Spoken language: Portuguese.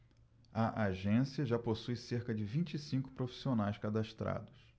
a agência já possui cerca de vinte e cinco profissionais cadastrados